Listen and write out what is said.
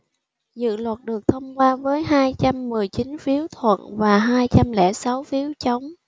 dự luật được thông qua với hai trăm mười chín phiếu thuận và hai trăm lẻ sáu phiếu chống